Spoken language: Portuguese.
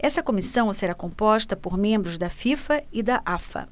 essa comissão será composta por membros da fifa e da afa